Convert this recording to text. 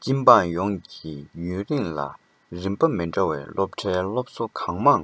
སྤྱི འབངས ཡོངས ཀྱིས ཡུན རིང ལ རིམ པ མི འདྲ བའི སློབ གྲྭའི སློབ གསོ གང མང